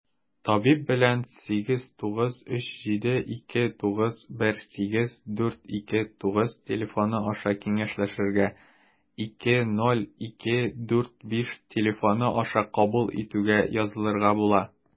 Табиб белән 89372918429 телефоны аша киңәшләшергә, 20-2-45 телефоны аша кабул итүгә язылырга була.